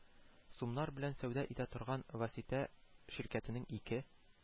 Сумнар белән сәүдә итә торган «васита» ширкәтенең ике